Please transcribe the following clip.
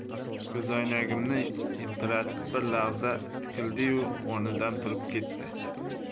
ko'zoynagini yiltiratib bir lahza tikildiyu o'rnidan turib ketdi